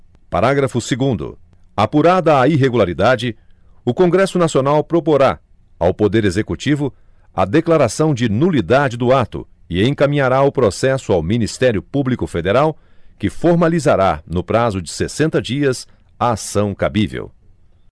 parágrafo segundo apurada a irregularidade o congresso nacional proporá ao poder executivo a declaração de nulidade do ato e encaminhará o processo ao ministério público federal que formalizará no prazo de sessenta dias a ação cabível